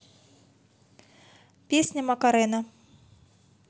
песня макарена